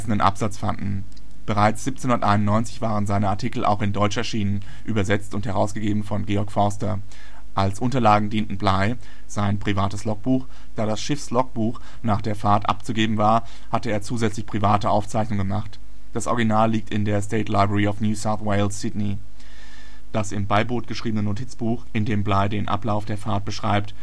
Absatz fanden. Bereits 1791 waren seine Artikel auch in Deutsch erschienen, übersetzt und herausgegeben von Georg Forster. Als Unterlagen dienten Bligh sein privates Logbuch. Da das Schiffslogbuch nach der Fahrt abzugeben war, hatte er zusätzlich private Aufzeichnungen gemacht. Das Original liegt in der State Library of New South Wales, Sydney. das im Beiboot geschriebene Notizbuch, in dem Bligh den Ablauf der Fahrt beschreibt